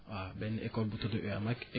waa benn école bu tudd EAMAC